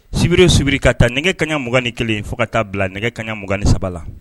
Sibiere subiri ka ta nɛgɛ kaɲa 2ugan ni kelen fo ka taa bila nɛgɛ kaɲa mugan ni saba la